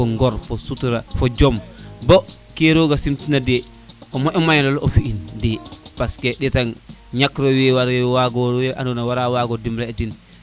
fo ŋor fo sutura fo jom be ke roga sim tina de o moƴo mayo le o fi in parce que ndetan ñakiro we ware we wagona andona wara wagoo dimle a din